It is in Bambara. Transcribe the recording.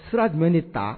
Sira jumɛn de ta